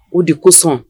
U di kosɔn